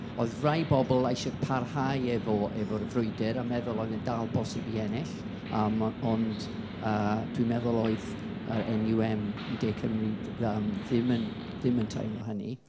Oedd rai pobl eisiau parhau efo, efo'r frwydr a meddwl oedd e'n dal bosib i ennill, yym ond yy dwi'n meddwl oedd y NUM De Cymru yym ddim yn ddim yn teimlo hynny.